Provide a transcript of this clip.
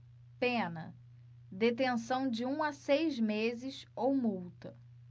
pena detenção de um a seis meses ou multa